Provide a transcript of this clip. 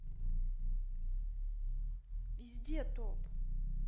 везде топ